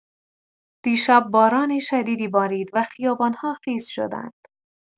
دیشب باران شدیدی بارید و خیابان‌ها خیس شدند.